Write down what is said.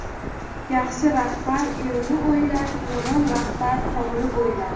yaxshi rahbar elni o'ylar yomon rahbar hovli bo'ylar